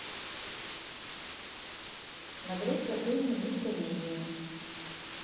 смотреть какую нибудь комедию